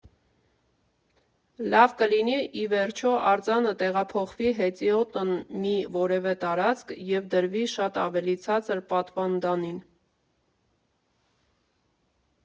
Լավ կլինի, որ ի վերջո արձանը տեղափոխվի հետիոտն մի որևէ տարածք և դրվի շատ ավելի ցածր պատվանդանին։